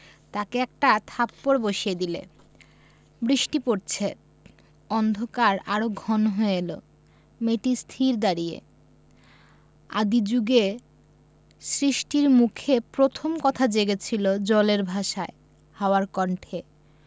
তাকে একটা থাপ্পড় বসিয়ে দিলে বৃষ্টি পরছে অন্ধকার আরো ঘন হয়ে এল মেয়েটি স্থির দাঁড়িয়ে আদি জুগে সৃষ্টির মুখে প্রথম কথা জেগেছিল জলের ভাষায় হাওয়ার কণ্ঠে